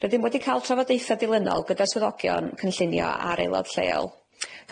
Rydym wedi ca'l trafodaethe dilynol gyda swyddogion cynllunio a'r aelod lleol.